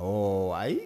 H ayi